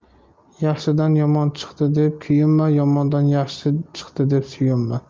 yaxshidan yomon chiqdi deb kuyinma yomondan yaxshi chiqdi deb suyunma